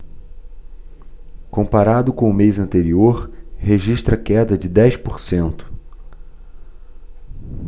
comparado com o mês anterior registra queda de dez por cento